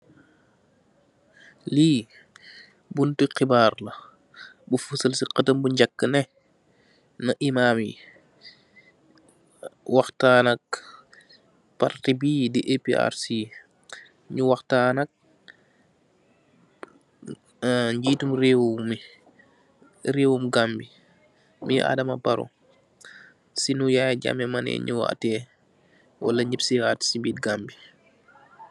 Li bonti xibaar la bu fosal si hetab bu ngeh ka neh na imam yi wahtan nax parti bi di APRC nyu wahtan nak arr ngeti rew mi rewim Gambie moi Adama Barrow si nu Yaya Jammeh moneh nyowateh wala ngim si wat si birr Gambie.